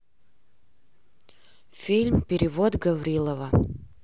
фильм перевод гаврилова